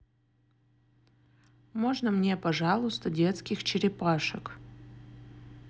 можно мне пожалуйста детских черепашек